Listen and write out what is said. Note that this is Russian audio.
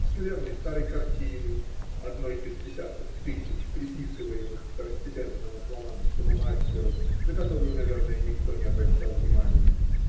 скверной старой картины, одной из десятков тысяч, приписываемых второстепенному фламандскому мастеру, на которую, наверно, никто не обращал внимания